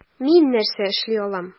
Мин нәрсә эшли алам?